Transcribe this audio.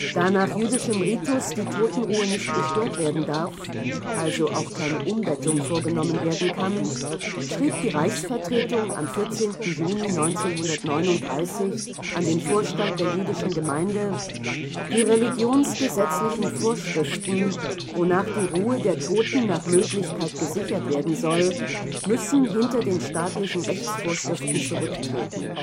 Da nach jüdischem Ritus, die Totenruhe nicht gestört werden darf – also auch keine Umbettung vorgenommen werden kann – schrieb die Reichsvertretung am 14. Juni 1939 an den Vorstand der Jüdischen Gemeinde: „ Die religionsgesetzlichen Vorschriften, wonach die Ruhe der Toten nach Möglichkeit gesichert werden soll, müssen hinter den staatlichen Rechtsvorschriften zurücktreten